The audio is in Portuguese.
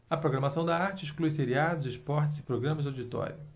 a programação da arte exclui seriados esportes e programas de auditório